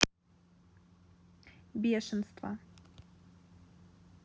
бешенство